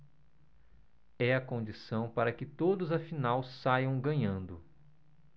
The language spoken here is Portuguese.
é a condição para que todos afinal saiam ganhando